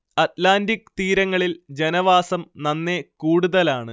Atlantic തീരങ്ങളിൽ ജനവാസം നന്നെ കൂടുതലാണ്